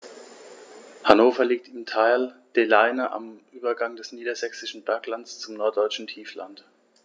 Hannover liegt im Tal der Leine am Übergang des Niedersächsischen Berglands zum Norddeutschen Tiefland.